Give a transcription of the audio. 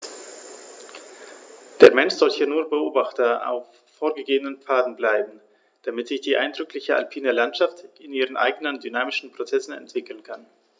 Der Mensch soll hier nur Beobachter auf vorgegebenen Pfaden bleiben, damit sich die eindrückliche alpine Landschaft in ihren eigenen dynamischen Prozessen entwickeln kann.